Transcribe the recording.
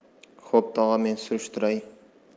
xo'p tog'a men surishtiray